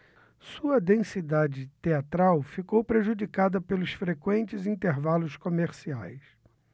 sua densidade teatral ficou prejudicada pelos frequentes intervalos comerciais